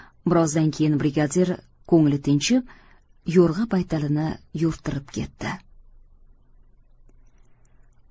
birozdan keyin brigadir ko'ngli tinchib yo'rg'a baytalini yo'rttirib ketdi